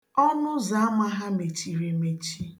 Ọnụụzọ ama ha mechiri emechi